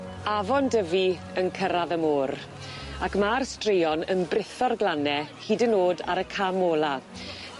Afon Dyfi yn cyrradd y môr ac ma'r straeon yn britho'r glanne hyd yn o'd ar y cam ola.